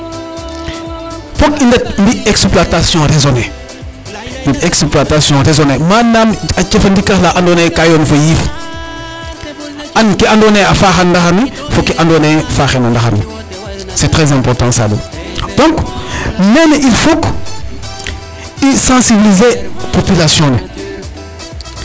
Fook i ndet mbi' exploitation resonner une exploitation resonner manaam a cefandikoor ala andoona yee ka yoon fo yiif and ke andoona yee a faaxa no ndaxar fo ke andoona yee faaxee no ndaxar ne c' est trés important Saliou donc mene il faut que i sensibliser population ne.